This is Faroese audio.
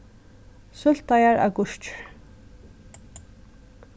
súltaðar agurkir